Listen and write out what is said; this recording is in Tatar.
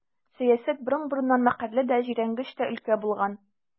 Сәясәт борын-борыннан мәкерле дә, җирәнгеч тә өлкә булган.